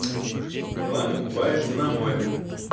милана купается на море